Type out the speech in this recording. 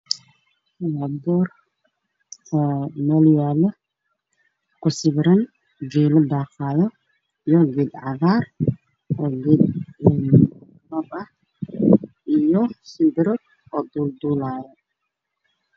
Boor waxaa kusawiran geel daaqaayo, geedo cagaar ah iyo shimbiro duulduulayo.